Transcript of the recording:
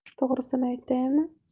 to'g'risini aytaymi